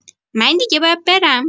من دیگه باید برم.